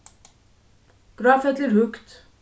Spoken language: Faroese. gráfelli er høgt